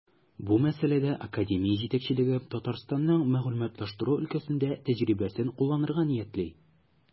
Бу мәсьәләдә академия җитәкчелеге Татарстанның мәгълүматлаштыру өлкәсендә тәҗрибәсен кулланырга ниятли.